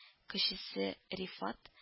Кечесе рифат